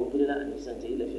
La la